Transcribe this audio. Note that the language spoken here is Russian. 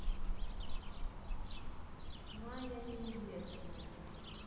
майя неизвестная